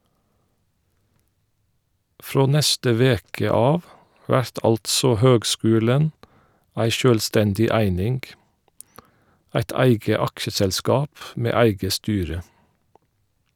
Frå neste veke av vert altså høgskulen ei sjølvstendig eining , eit eige aksjeselskap med eige styre.